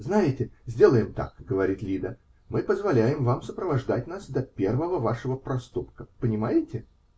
-- Знаете, сделаем так, -- говорит Лида, -- мы позволяем вам сопровождать нас до первого вашего проступка. Понимаете?